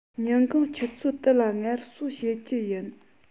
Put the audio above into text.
ཉིན གུང ཆུ ཚོད དུ ལ ངལ གསོ བྱེད རྒྱུ ཡིན